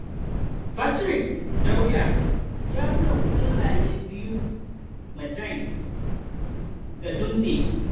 Patrick Dwyer ya zura kwallaye biyu ma Giants ga Dundee